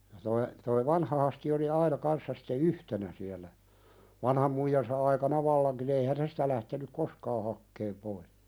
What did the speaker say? ja tuo tuo vanha Hasti oli aina kanssa sitten yhtenä siellä vanhan muijansa aikana vallankin eihän se sitä lähtenyt koskaan hakemaan pois